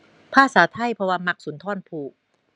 ภาษาไทย เพราะว่ามักสุนทรภู่